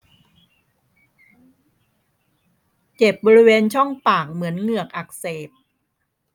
เจ็บบริเวณช่องปากเหมือนเหงือกอักเสบ